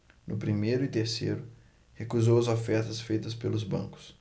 no primeiro e terceiro recusou as ofertas feitas pelos bancos